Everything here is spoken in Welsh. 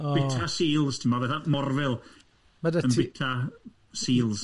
Bwyta seals ti'bod, fatha morfil yn bwyta seals.